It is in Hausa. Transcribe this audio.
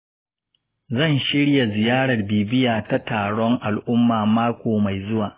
zan shirya ziyarar bibiya ta taron al'umma mako mai zuwa.